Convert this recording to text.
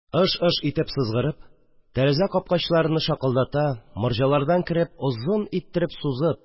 Ыж-ыж итеп сызгырып, тәрәзә капкачларыны шакылдата, морҗалардан кереп, озын иттереп сузып